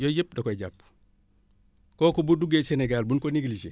yooyu yépp da koy jàpp kooku bu duggee Sénégal bu nu ko négligé